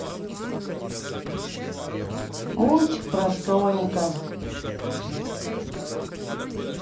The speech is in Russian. мультик про соника